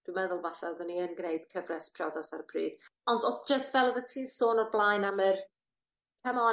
dwi'n meddwl falla odden i yn gneud cyfres priodas ar y pryd ond o'dd jyst fel oddet ti'n sôn o'r blaen am yr come on...